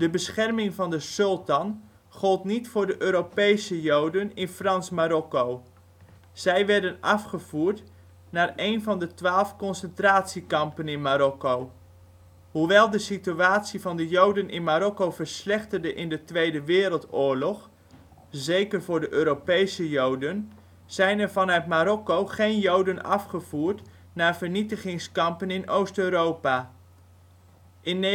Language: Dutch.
bescherming van de sultan gold niet voor de Europese joden in Frans-Marokko, zij werden afgevoerd naar één van de 12 concentratiekampen in Marokko. Hoewel de situatie van de Joden in Marokko verslechterde in de Tweede Wereldoorlog - zeker voor de Europese Joden - zijn er vanuit Marokko geen Joden afgevoerd naar vernietigingskampen in Oost-Europa. In 1942